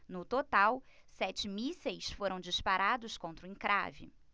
no total sete mísseis foram disparados contra o encrave